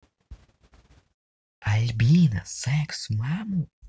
альбина секс в маму